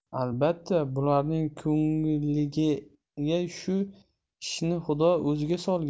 albatta bularning ko'ngliga shu ishni xudo o'zi solgan